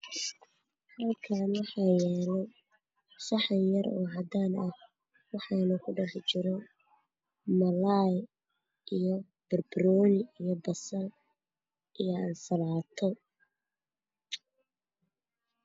Aa ii muuqdo saxan ay ku jiraan khudaar barandho koosto midabkeeda yahay agaar